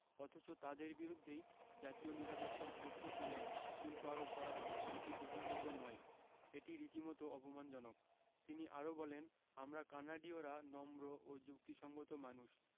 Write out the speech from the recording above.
অথচ তাঁদের বিরুদ্ধেই জাতীয় নিরাপত্তার প্রশ্ন তুলে শুল্ক আরোপ করা হলো এটি গ্রহণযোগ্য নয় এটি রীতিমতো অপমানজনক তিনি আরও বলেন আমরা কানাডীয়রা নম্র ও যুক্তিসংগত মানুষ